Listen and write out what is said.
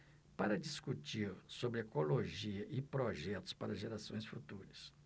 para discutir sobre ecologia e projetos para gerações futuras